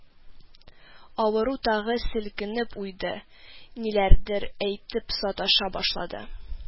Авыру тагы селкенеп уйды, ниләрдер әйтеп саташа башлады